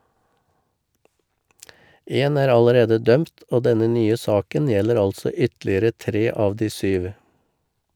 En er allerede dømt, og denne nye saken gjelder altså ytterligere tre av de syv.